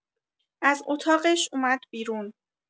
از اتاقش اومد بیرون